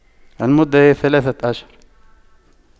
المدة هي ثلاثة أشهر